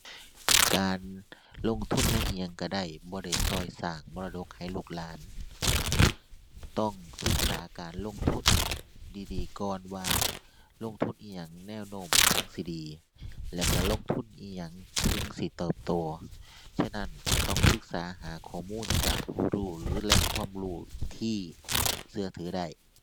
การลงทุนในอิหยังก็ได้ บ่ได้ก็สร้างมรดกให้ลูกหลาน ต้องศึกษาการลงทุนดีดีก่อนว่าลงทุนอิหยังแนวโน้มถึงสิดี แล้วก็ลงทุนอิหยังถึงสิเติบโต ฉะนั้นต้องศึกษาหาข้อมูลจากผู้รู้หรือแหล่งความรู้ที่ก็ถือได้